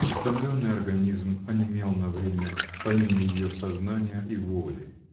Истомленный организм онемел на время помимо ее сознания и воли.